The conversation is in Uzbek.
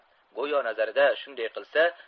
go'yo nazarida shunday qilsa